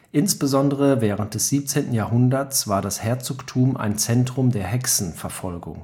Insbesondere während des 17. Jahrhunderts war das Herzogtum ein Zentrum der Hexenverfolgungen